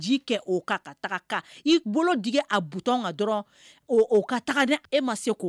Dɔrɔn e ma se